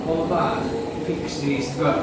Pobol bach, pixies, ti gwbod.